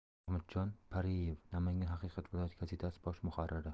mahmudjon parpiyev namangan haqiqati viloyat gazetasi bosh muharriri